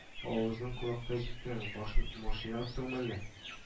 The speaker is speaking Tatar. Авызың колакка җиткән, машина оттыңмы әллә